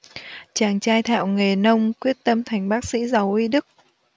chàng trai thạo nghề nông quyết tâm thành bác sĩ giàu y đức